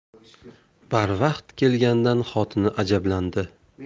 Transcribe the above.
barvaqt kelganidan xotini ajablandi